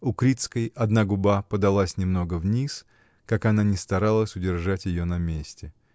У Крицкой одна губа подалась немного вниз, как она ни старалась удержать ее на месте.